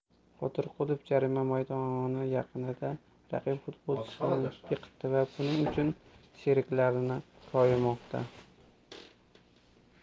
qodirqulov jarima maydoni yaqinida raqib futbolchisini yiqitdi va buning uchun sheriklarini koyimoqda